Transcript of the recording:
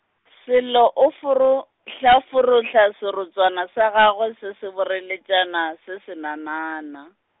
Sello o forohlaforohla serotswana sa gagwe se se boreletšana, se senanana.